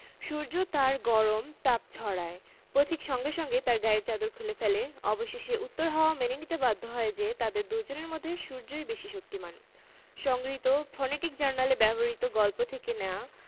singer fridge freezer কিনে ক্রেতা তার নিজস্ব মোবাইল নম্বর থেকে